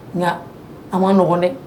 Nga an ma nɔgɔ dɛ!